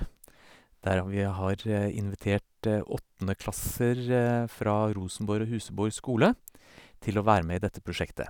Der ha vi har invitert åttendeklasser fra Rosenborg og Huseborg skole til å være med i dette prosjektet.